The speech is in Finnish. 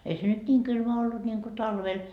ei se nyt niin kylmä ollut niin kuin talvella